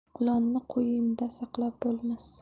ilonni qo'yinda saqlab bo'lmas